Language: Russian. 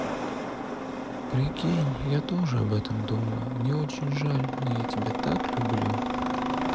прикинь я тоже об этом думаю мне очень жаль но я тебя так люблю